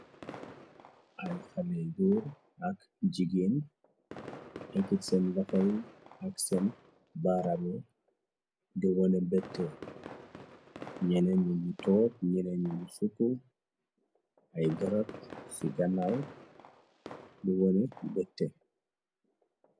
Ay xale goor ak jigéen, ekiti seen loxo yi ak seen baaram yi, di wone bette, ñeneen ñi ñu toog, ñeneen ñi ñu sukku, ay garab ci ganaaw di wone bette.